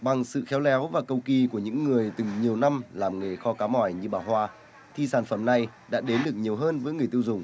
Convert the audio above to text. bằng sự khéo léo và cầu kỳ của những người từng nhiều năm làm nghề kho cá mòi như bà hoa thì sản phẩm này đã đến được nhiều hơn với người tiêu dùng